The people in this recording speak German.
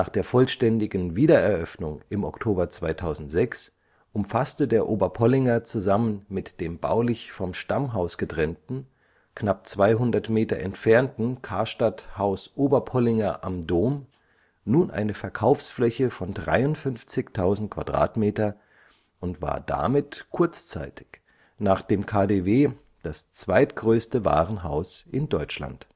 der vollständigen Wiedereröffnung im Oktober 2006 umfasste der Oberpollinger zusammen mit dem baulich vom Stammhaus getrennten, knapp 200 Meter entfernten „ Karstadt Haus Oberpollinger am Dom “nun eine Verkaufsfläche von 53.000 m² und war damit kurzzeitig nach dem KaDeWe das zweitgrößte Warenhaus in Deutschland